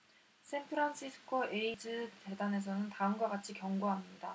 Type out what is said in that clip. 샌프란시스코 에이즈 재단에서는 다음과 같이 경고합니다